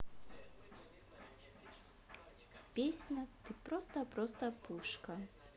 песня ты просто просто пушка